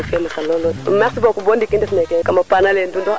merci beaucoup Yaye Boy mais leyiro o fogole god ne de wo ano ye